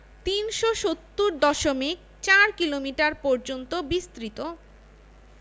৩৭০ দশমিক ৪ কিলোমিটার পর্যন্ত বিস্তৃত